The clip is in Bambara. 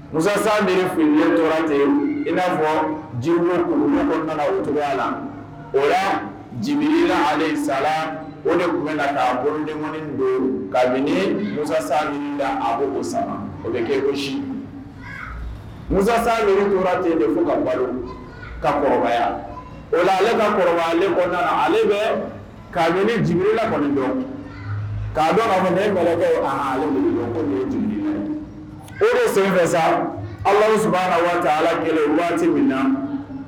Musa fini tora ten in n'a fɔ jiri o cogoya la o ale sa o de tun'den mu akosa o bɛ kɛ ko si musa tora ten bɛ fo ka balo ka kɔrɔbaya o ale ka kɔrɔ bɛ kala kɔni dɔn k'a dɔn o sen sa ala la waati ala gɛlɛn waati min na